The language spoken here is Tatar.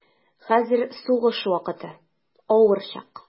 Хәзер сугыш вакыты, авыр чак.